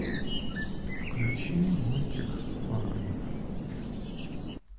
включи мультик файв